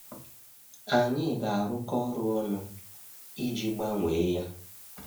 Anyị ga-arụkọ ọrụ ọnụ iji gbanwee ya!